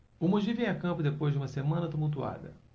o mogi vem a campo depois de uma semana tumultuada